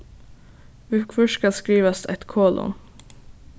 viðhvørt skal skrivast eitt kolon